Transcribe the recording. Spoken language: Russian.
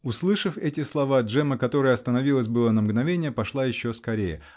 Услышав эти слова, Джемма, которая остановилась было на мгновенье, пошла еще скорее.